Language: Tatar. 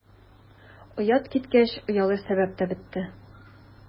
Оят киткәч, оялыр сәбәп тә бетте.